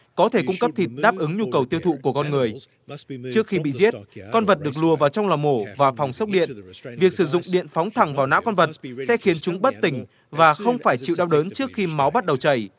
có thể cung cấp thịt đáp ứng nhu cầu tiêu thụ của con người trước khi bị giết con vật được lùa vào trong lò mổ và phòng sốc điện việc sử dụng điện phóng thẳng vào não con vật sẽ khiến chúng bất tỉnh và không phải chịu đau đớn trước khi máu bắt đầu chảy